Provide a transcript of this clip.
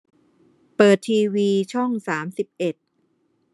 เปิดทีวีช่องสามสิบเอ็ด